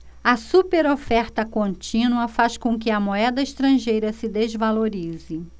a superoferta contínua faz com que a moeda estrangeira se desvalorize